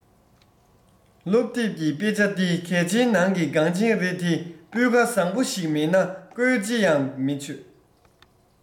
སློབ དེབ ཀྱི དཔེ ཆ འདི གལ ཆེན ནང གི འགངས ཆེན རེད དེ སྤུས ཀ བཟང བོ ཞིག མེད ན བཀོལ ཅི ཡང མི ཆོད